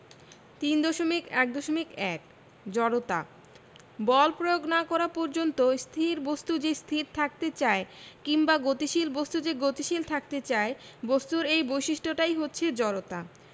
3.1.1 জড়তা বল প্রয়োগ না করা পর্যন্ত স্থির বস্তু যে স্থির থাকতে চায় কিংবা গতিশীল বস্তু যে গতিশীল থাকতে চায় বস্তুর এই বৈশিষ্ট্যটাই হচ্ছে জড়তা